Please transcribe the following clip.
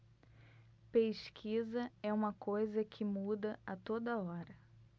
pesquisa é uma coisa que muda a toda hora